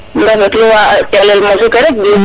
rafetlu wa calel mosu ke rek Diouf